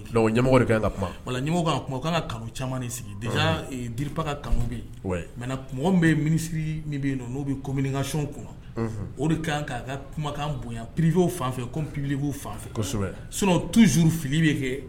ɲamɔgɔ de kan ka kuma voila ɲɛmɔgɔ kan ka kuma u kan ka canaux caman desigi déjà DIRPA ka canaux, ouai, maintenant mɔgɔ min bɛ minisiri min bɛ yen n'o bɛ ko communication kunna, unhun, o de k'an k'a ka kumakan bonya privés fan fɛ comme public fan fɛ, kosɛbɛ, sinon toujours fili bɛ kɛ